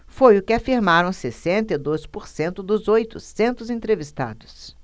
foi o que afirmaram sessenta e dois por cento dos oitocentos entrevistados